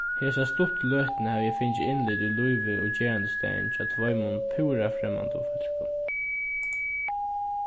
hesa stuttu løtuna havi eg fingið innlit í lívið og gerandisdagin hjá tveimum púra fremmandum fólkum